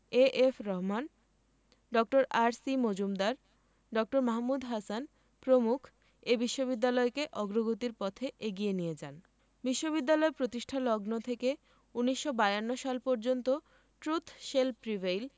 A F Rahman ড. R C Majumdar ড. মাহমুদ হাসান প্রমুখ এ বিশ্ববিদ্যালয়কে অগ্রগতির পথে এগিয়ে নিয়ে যান বিশ্ববিদ্যালয় প্রতিষ্ঠালগ্ন থেকে ১৯৫২ সাল পর্যন্ত ট্রুত শেল প্রিভেইল